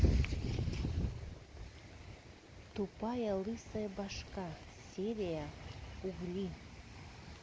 тупая лысая башка серия угли